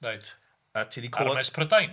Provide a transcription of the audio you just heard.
Reit... A ti di clyw-... Armes Prydain!